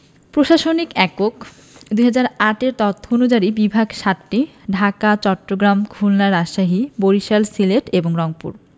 প্রশাসনিক এককঃ ২০০৮ এর তথ্য অনুযায়ী বিভাগ ৭টি ঢাকা চট্টগ্রাম খুলনা রাজশাহী বরিশাল সিলেট এবং রংপুর